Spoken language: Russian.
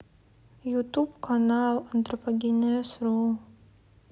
ютуб канал антропогенез ру